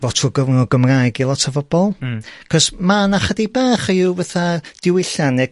fo trw gyfrwng y Gymraeg i lot o bobl. Hmm. 'C'os ma' 'na chydig bach o 'yw fatha diwyllian ne'